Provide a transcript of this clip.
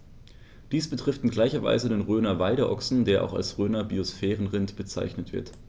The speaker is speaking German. Dies betrifft in gleicher Weise den Rhöner Weideochsen, der auch als Rhöner Biosphärenrind bezeichnet wird.